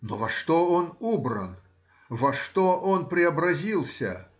Но во что он убран, во что он преобразился?